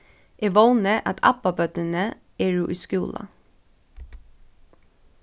eg vóni at abbabørnini eru í skúla